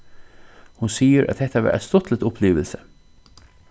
hon sigur at hetta var eitt stuttligt upplivilsi